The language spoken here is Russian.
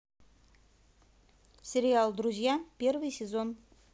сериал друзья первый сезон